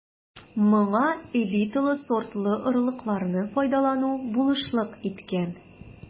Моңа элиталы сортлы орлыкларны файдалану булышлык иткән.